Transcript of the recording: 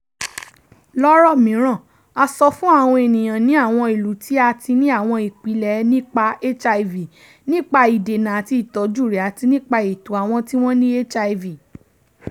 Lórọ̀ mìíràn a sọ fún àwọn ènìyàn ní àwọn ìlú tí a ti ní àwọn ìpìlẹ̀ nípa HIV, nípa ìdènà àti ìtọ́jú rẹ̀ àti nípa ẹ̀tọ́ àwọn tí wọ́n ní HIV.